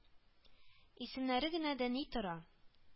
Исемнәре генә дә ни тора